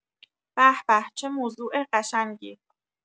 به‌به، چه موضوع قشنگی!